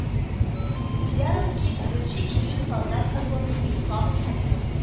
Ульяновски, беренче июнь, Татар-Информ , Исхак Хәлимов